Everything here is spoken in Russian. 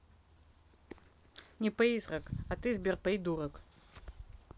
не призрак а ты сбер придурок